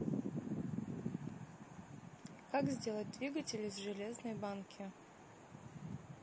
как сделать двигатель из железной банки